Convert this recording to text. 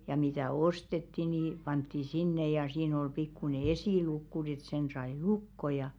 ja mitä ostettiin niin pantiin sinne ja siinä oli pikkuinen esilukko no että sen sai lukkoon ja